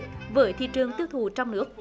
với thị trường tiêu thụ trong nước